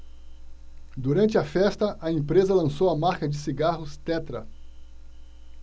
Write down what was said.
durante a festa a empresa lançou a marca de cigarros tetra